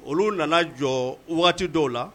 Olu nana jɔ waati dɔw la